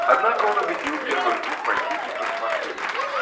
Однако он убедил первых двух пойти и посмотреть.